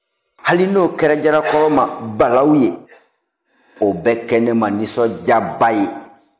hali n'o kɛra jalakɔrɔ ma balawu ye o bɛ kɛ ne ma nisɔndiyaba ye